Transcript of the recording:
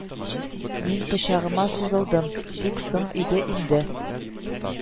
Мин пычагыма сузылдым, тик соң иде инде